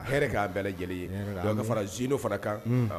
A'a bɛɛ lajɛlen ye ka fara zo fana kan